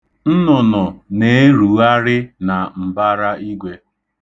Nnụnụ na-erugharị na mbara igwe.